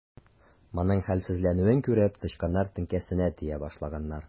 Моның хәлсезләнүен күреп, тычканнар теңкәсенә тия башлаганнар.